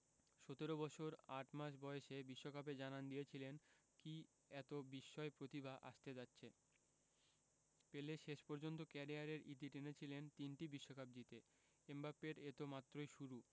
১৭ বছর ৮ মাস বয়সে বিশ্বকাপে জানান দিয়েছিলেন কী এত বিস্ময় প্রতিভা আসতে যাচ্ছে পেলে শেষ পর্যন্ত ক্যারিয়ারের ইতি টেনেছিলেন তিনটি বিশ্বকাপ জিতে এমবাপ্পের এ তো মাত্রই শুরু